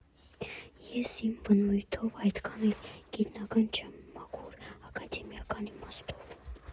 Ես իմ բնույթով այդքան էլ գիտնական չեմ՝ մաքուր ակադեմիական իմաստով։